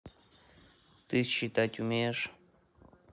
ты считать умеешь